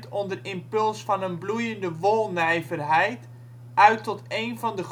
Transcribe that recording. bloeiende wolnijverheid uit tot één van de